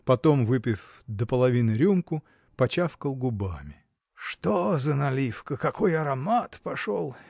– Потом, выпив до, половины рюмку, почавкал губами. – Что за наливка! какой аромат пошел!